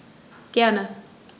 Gerne.